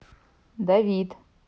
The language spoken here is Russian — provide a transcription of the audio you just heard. david